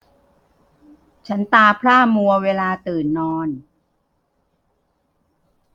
ฉันตาพร่ามัวเวลาตื่นนอน